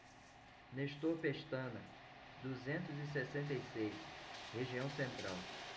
nestor pestana duzentos e sessenta e seis região central